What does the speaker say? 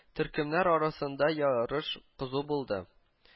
Төркемнәр арасында ярыш кызу булды